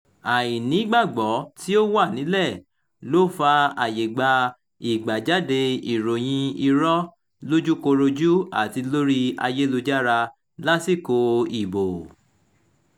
Àìnígbàgbọ́ tí ó wà nílẹ̀ ló fi àyè gba ìgbéjáde ìròyìn irọ́ – lójúkorojú àti lórí ayélujára – lásìkò ìbò.